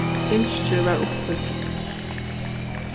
ynskið varð uppfylt